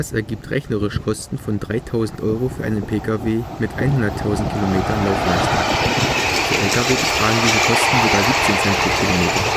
ergibt rechnerisch Kosten von 3000 Euro für einen Pkw mit 100.000 Kilometern Laufleistung. Für Lkw betragen diese Kosten sogar 17 Cent pro Kilometer